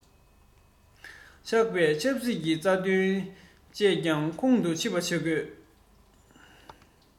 ཆགས པའི ཆབ སྲིད ཀྱི རྩ དོན བཅས ཀྱང ཁོང དུ ཆུད པ བྱེད དགོས